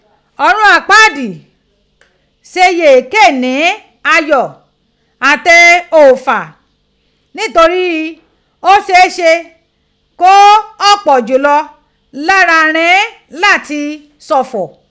Ọ̀run àpáàdì í ṣe ye ke ní ayọ̀ àti òòfà nítorí ghi ó ṣeé ṣe ko ọ̀pọ̀ jù lọ lára righin láti ṣọ̀fọ̀.